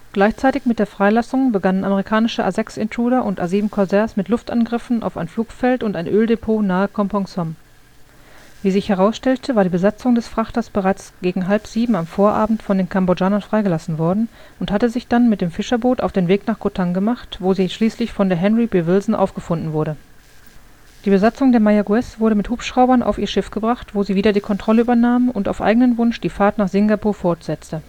Gleichzeitig mit der Freilassung begannen amerikanische A-6 Intruder und A-7 Corsair mit Luftangriffen auf ein Flugfeld und ein Öldepot nahe Kompong Som. Wie sich heraustellte, war die Besatzung des Frachters bereits gegen halb sieben am Vorabend von den Kambodschanern freigelassen worden und hatte sich dann mit dem Fischerboot auf den Weg nach Koh Tang gemacht, wo sie schließlich von der Henry B. Wilson aufgefunden wurde. Die Besatzung der Mayaguez wurde mit Hubschraubern auf ihr Schiff gebracht, wo sie wieder die Kontrolle übernahm und auf eigenen Wunsch die Fahrt nach Singapur fortsetzte